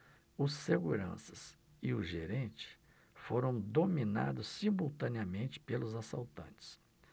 os seguranças e o gerente foram dominados simultaneamente pelos assaltantes